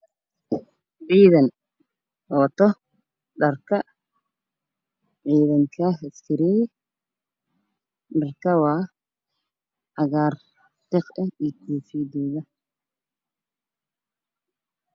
Ciidan wato dharka ciidanka askari dharka waa cagaar tiq ah iyo koofiyadooda